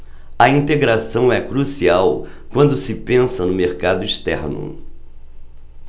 a integração é crucial quando se pensa no mercado externo